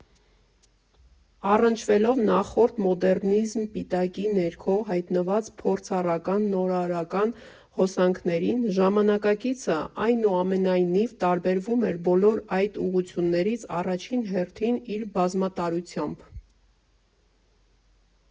Առնչվելով նախորդ՝ «մոդեռնիզմ» պիտակի ներքո հայտնված փորձառական, նորարարական հոսանքներին, «ժամանակակիցը» այնուամենայնիվ տարբերվում էր բոլոր այդ ուղղություններից առաջին հերթին իր բազմատարրությամբ։